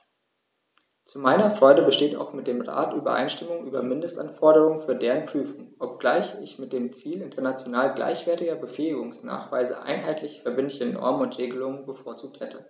Zu meiner Freude besteht auch mit dem Rat Übereinstimmung über Mindestanforderungen für deren Prüfung, obgleich ich mit dem Ziel international gleichwertiger Befähigungsnachweise einheitliche verbindliche Normen und Regelungen bevorzugt hätte.